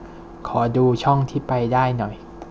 ขอดูช่องที่ไปได้หน่อย